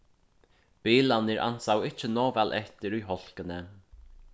bilarnir ansaðu ikki nóg væl eftir í hálkuni